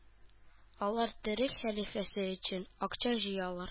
Алар төрек хәлифәсе өчен акча җыялар